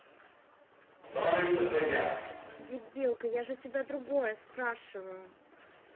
дебилка я же тебя другое спрашиваю